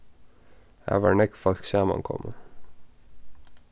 har var nógv fólk saman komið